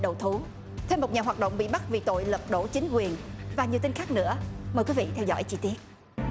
đầu thú thêm một nhà hoạt động bị bắt vì tội lật đổ chính quyền và nhiều tin khác nữa mời quý vị theo dõi chi tiết